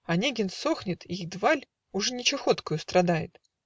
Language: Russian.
Онегин сохнет - и едва ль Уж не чахоткою страдает.